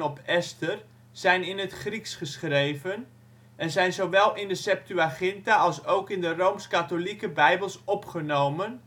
op Esther) zijn in het Grieks geschreven, en zijn zowel in de Septuaginta alsook in de rooms-katholieke Bijbels opgenomen,